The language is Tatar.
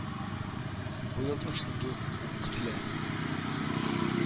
Быел да шундый ук бум көтелә